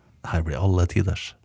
det her blir alle tiders.